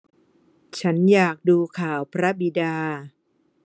ฉันอยากดูข่าวพระบิดา